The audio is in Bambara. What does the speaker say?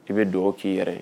I bɛ dugawu k'i yɛrɛ ye